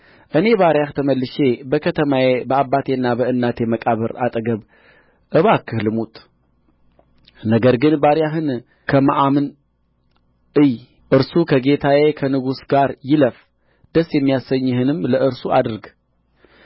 እኔ ባሪያህ ተመልሼ በከተማዬ በአባቴና በእናቴ መቃብር አጠገብ እባክህ ልሙት ነገር ግን ባሪያህን ከመዓምን እይ እርሱ ከጌታዬ ከንጉሡ ጋር ይለፍ ደስ የሚያሰኝህንም ለእርሱ አድርግ